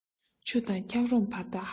ཆུ དང འཁྱག རོམ བར ཐག ཧ ཅང ཉེ